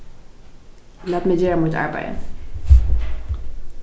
lat meg gera mítt arbeiði